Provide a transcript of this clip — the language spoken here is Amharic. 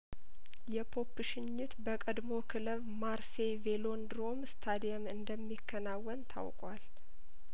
የፖፕ ሽኝት በቀድሞው ክለብ ማርሴይቬሎን ድሮም ስታዲየም እንደሚከናወን ታውቋል